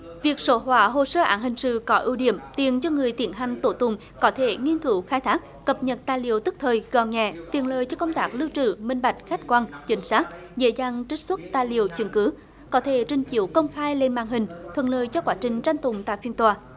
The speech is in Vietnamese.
việc số hóa hồ sơ án hình sự có ưu điểm tiện cho người tiến hành tố tụng có thể nghiên cứu khai thác cập nhật tài liệu tức thời gọn nhẹ tiện lợi cho công tác lưu trữ minh bạch khách quan chính xác dễ dàng trích xuất tài liệu chứng cứ có thể trình chiếu công khai lên màn hình thuận lợi cho quá trình tranh tụng tại phiên tòa